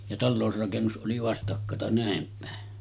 ja talousrakennus oli vastakkata näin päin